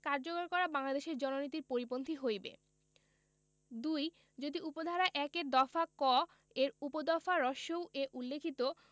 কার্যকর করা বাংলাদেশের জননীতির পরিপন্থী হইবে ২ যদি উপ ধারা ১ এর দফা ক এর উপ দফা উ এ উল্লিখিত